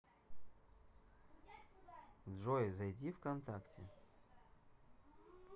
джой зайди вконтакте